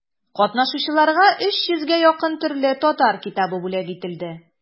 Катнашучыларга өч йөзгә якын төрле татар китабы бүләк ителде.